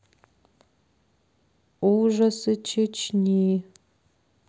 ужасы чечни